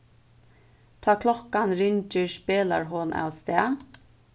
tá klokkan ringir spelar hon avstað